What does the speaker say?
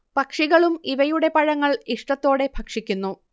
പക്ഷികളും ഇവയുടെ പഴങ്ങൾ ഇഷ്ടത്തോടെ ഭക്ഷിക്കുന്നു